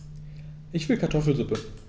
Ich will Kartoffelsuppe.